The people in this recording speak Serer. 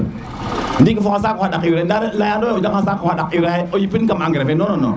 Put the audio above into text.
ndiki fo xa saaku xa ɗak urée nda leya no ye xa saaku xa ɗak urée xe o yipin kam engrais fe non non